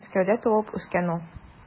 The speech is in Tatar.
Мәскәүдә туып үскән ул.